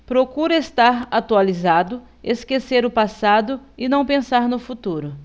procuro estar atualizado esquecer o passado e não pensar no futuro